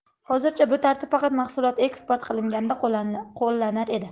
hozirgacha bu tartib faqat mahsulot eksport qilinganda qo'llanar edi